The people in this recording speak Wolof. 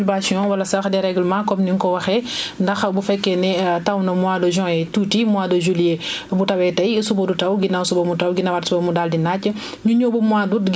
ñu mun ko tudee perturbation wala sax déréglement comme ni nga ko waxee ndax bu fekkee ne taw na mois de juin yi tuuti mois de juillet bu tawee tay suba du taw ginnaaw suba mu taw ginnaaw waati suba mu daal di naaj